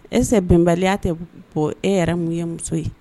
est ce que bɛnbaliya tɛ bɔ e yɛrɛ mun ye muso ye.